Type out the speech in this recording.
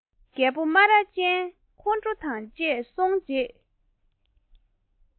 རྒད པོ སྨ ར ཅན ཁོང ཁྲོ དང བཅས སོང རྗེས